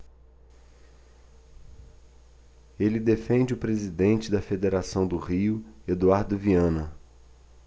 ele defende o presidente da federação do rio eduardo viana